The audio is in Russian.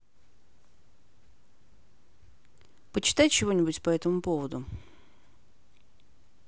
почитай чего нибудь по этому поводу